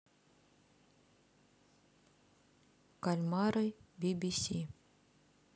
кальмары би би си